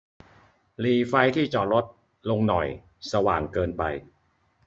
หรี่ไฟที่จอดรถลงหน่อยสว่างเกินไป